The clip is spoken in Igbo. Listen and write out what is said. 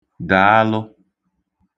dàalụ